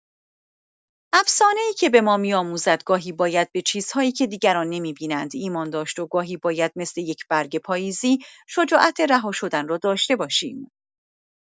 افسانه‌ای که به ما می‌آموزد گاهی باید به چیزهایی که دیگران نمی‌بینند، ایمان داشت و گاهی باید مثل یک برگ پاییزی، شجاعت رها شدن را داشته باشیم.